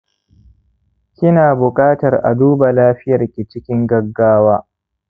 kina buƙatar a duba lafiyarki cikin gaggawa.